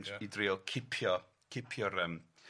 Ia. I drio cipio, cipio'r yym...